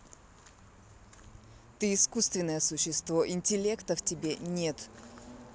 ты искусственное существо интеллекта в тебе нет